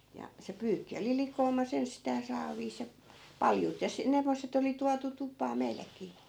ja se pyykki oli likoamassa ensistään saaveissa ja paljut ja - sen semmoiset oli tuotu tupaan meilläkin